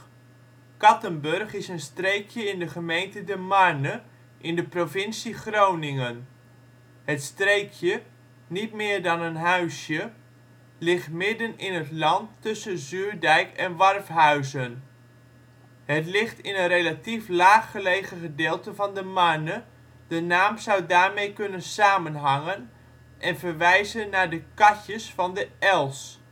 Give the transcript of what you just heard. Kattenburg is een streekje in de gemeente De Marne in de provincie Groningen. Het streekje, niet meer dan een huisje, ligt midden in het land tussen Zuurdijk en Warfhuizen. Het ligt in een relatief laag gelegen gedeelte van De Marne, de naam zou daarmee kunnen samenhangen en verwijzen naar de katjes van de els